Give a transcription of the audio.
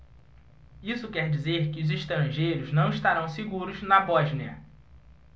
isso quer dizer que os estrangeiros não estarão seguros na bósnia